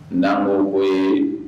Naamu ko ye